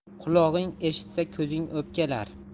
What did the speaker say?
qulog'ing eshitsa ko'zing o'pkalar